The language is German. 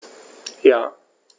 Ja.